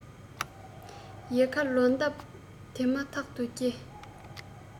ཡལ ག ལོ འདབ དེ མ ཐག ཏུ རྒྱས